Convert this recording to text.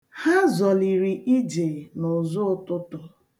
Ha zọliri ije n'ụzọ ụtụtụ.